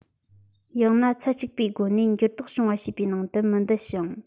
ཡང ན ཚད གཅིག པའི སྒོ ནས འགྱུར ལྡོག བྱུང བ ཞེས པའི ནང དུ མི འདུ ཞིང